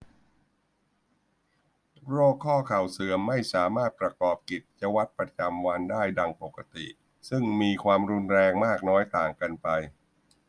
โรคข้อเข่าเสื่อมไม่สามารถประกอบกิจวัตรประจำวันได้ดังปกติซึ่งมีความรุนแรงมากน้อยต่างกันไป